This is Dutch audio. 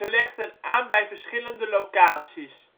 legden aan bij verschillende locaties